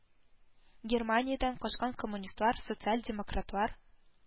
Германиядән качкан коммунистлар, социал-демократлар